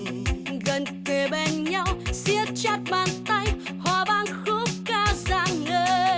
gần kề bên nhau xiết chặt bàn tay hòa bao khúc ca rạng ngời